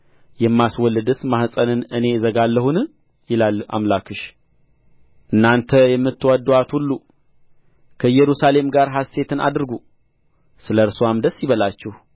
የማስወልድስ ማኅፀንን እኔ እዘጋለሁን ይላል አምላክሽ እናንተ የምትወድዱአት ሁሉ ከኢየሩሳሌም ጋር ሐሤትን አድርጉ ስለ እርስዋም ደስ ይበላችሁ